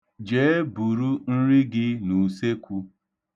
Jee buru nri gị n'usekwu.